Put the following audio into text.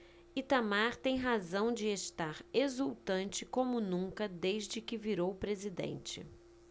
itamar tem razão de estar exultante como nunca desde que virou presidente